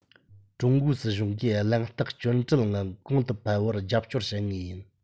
ཀྲུང གོའི སྲིད གཞུང གིས གླེང སྟེགས སྐྱོན བྲལ ངང གོང དུ འཕེལ བར རྒྱབ སྐྱོར བྱེད ངེས ཡིན